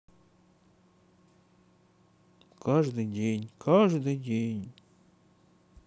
каждый день каждый день